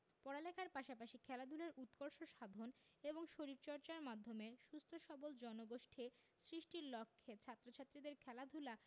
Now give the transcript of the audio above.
পড়ালেখার পাশাপাশি খেলাধুলার উৎকর্ষ সাধন এবং শরীরচর্চার মাধ্যমে সুস্থ সবল জনগোষ্ঠী সৃষ্টির লক্ষ্যে ছাত্র ছাত্রীদের খেলাধুলা